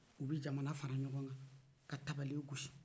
u bɛ jamana fara ɲɔgɔn kan ka tabale gosi